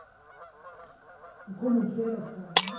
Hun kom om fredagskvelden.